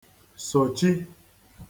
sochi